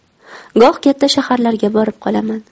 goh katta shaharlarga borib qolaman